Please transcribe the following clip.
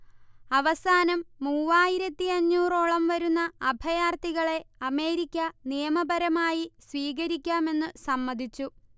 അവസാനം മൂവായിരത്തിയഞ്ഞൂറോളം വരുന്ന അഭയാർത്ഥികളെ അമേരിക്ക നിയമപരമായി സ്വീകരിക്കാമെന്ന് സമ്മതിച്ചു